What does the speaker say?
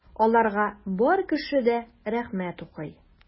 Аларга бар кеше дә рәхмәт укый.